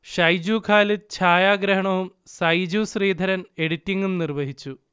ഷൈജു ഖാലിദ് ചായാഗ്രഹണവും സൈജു ശ്രീധരൻ എഡിറ്റിംഗും നിർവഹിക്കുന്നു